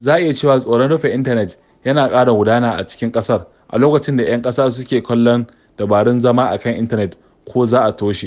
Za ka iya cewa tsoron rufe intanet yana ƙara gudana a cikin ƙasar a lokacin da 'yan ƙasa suke kallon dabarun zama a kan intanet ko da za a toshe.